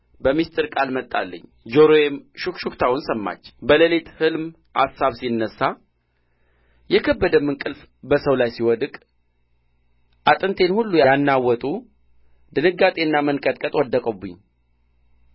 በምሥጢር ቃል መጣልኝ ጆሮዬም ሹክሹክታውን ሰማች በሌሊት ሕልም አሳብ ሲነሣ የከበደም እንቅልፍ በሰው ላይ ሲወድቅ አጥንቴን ሁሉ ያናወጡ ድንጋጤና መንቀጥቀጥ ወደቁብኝ